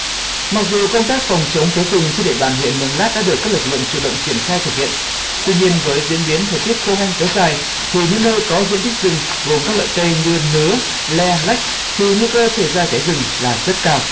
mặc dù công tác phòng chống cháy rừng trên địa bàn huyện mường lát đã được các lực lượng chủ động triển khai thực hiện tuy nhiên với diễn biến thời tiết khô hanh kéo dài thì những nơi có diện tích rừng gồm các loại cây như nứa le lách thì nguy cơ xảy ra cháy rừng là rất cao